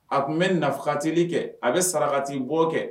A tun bɛ nafatili kɛ a bɛ sarakati bɔ kɛ